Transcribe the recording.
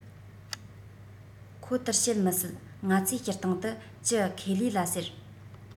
ཁོ ལྟར བྱེད མི སྲིད ང ཚོས སྤྱིར བཏང དུ གྱི ཁེ ལས ལ ཟེར